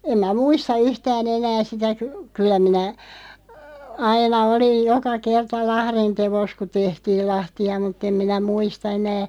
en minä muista yhtään enää sitä - kyllä minä aina olin joka kerta lahdin teossa kun tehtiin lahtia mutta en minä muista enää